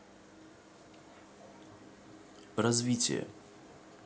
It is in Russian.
развитие